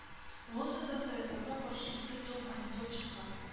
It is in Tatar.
Лондонда советларга каршы ике том анекдот чыккан